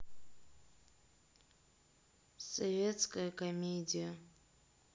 советская комедия